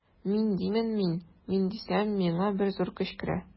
Мин димен мин, мин дисәм, миңа бер зур көч керә.